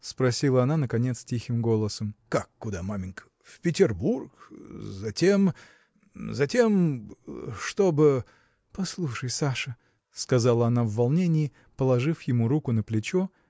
– спросила она, наконец, тихим голосом. – Как куда, маменька? в Петербург, затем. затем. чтоб. – Послушай Саша – сказала она в волнении положив ему руку на плечо